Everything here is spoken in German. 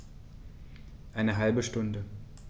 Eine halbe Stunde